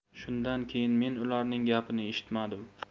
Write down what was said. shundan keyin men ularning gapini eshitmadim